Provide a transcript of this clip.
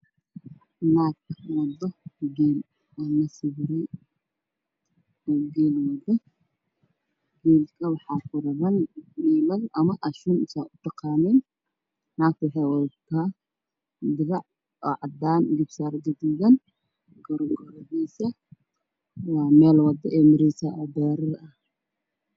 Waxaa ii muuqda gabar waddo rati ratiga waxaa saaran laba afar hamood waxaan hor socda gabar waxay wadataa mara guduudan iyo dirac waxaa hortooda ka muuqda hoori ay dad degan yihiin